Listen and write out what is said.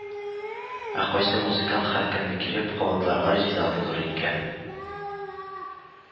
Ә кайсы музыкант һәр көнне килеп, кабатларга риза булыр икән